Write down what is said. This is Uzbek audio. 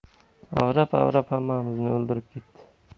avrab avrab hammamizni o'ldirib ketadi